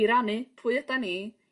i rannu pwy ydan ni